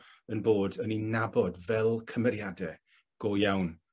'yn bod yn 'u nabod fel cymeriade go iawn?